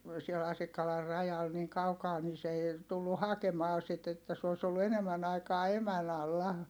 siellä Asikkalan rajalla niin kaukaa niin se ei tullut hakemaan sitä että se olisi ollut enemmän aikaa emän alla